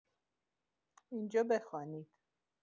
اینجا بخوانید